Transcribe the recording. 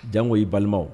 Jango i balimaw!